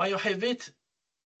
Mae o hefyd,